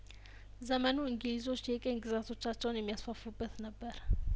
ዘመኑ እንግሊዞች የቅኝ ግዛቶቻቸውን የሚያስፋፉበት ነበር